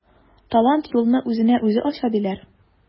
Талант юлны үзенә үзе ача диләр.